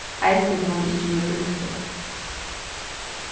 eisini tá hann ikki verður brúktur